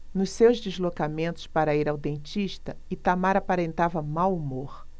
nos seus deslocamentos para ir ao dentista itamar aparentava mau humor